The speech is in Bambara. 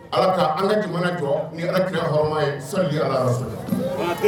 Ala ka an ka jamana jɔ, ni alakira ka hɔrɔma ye, sɔli alaa rassoulou